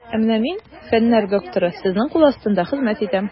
Ә менә мин, фәннәр докторы, сезнең кул астында хезмәт итәм.